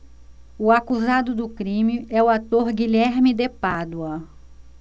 o acusado do crime é o ator guilherme de pádua